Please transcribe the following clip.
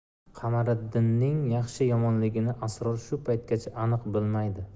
qamariddinning yaxshi yomonligini asror shu paytgacha aniq bilmaydi